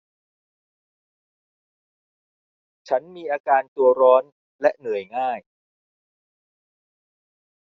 ฉันมีอาการตัวร้อนและเหนื่อยง่าย